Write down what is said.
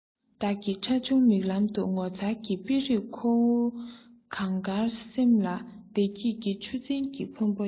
བདག གི ཁྲ ཆུང མིག ལམ དུ ངོ མཚར གྱི དཔེ རིས ཁོ བོའི གངས དཀར སེམས ལ བདེ སྐྱིད ཀྱི ཆུ འཛིན གྱི ཕོན པོ ཡ